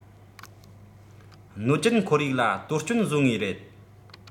སྣོད བཅུད ཁོར ཡུག ལ གཏོར སྐྱོན བཟོ ངེས རེད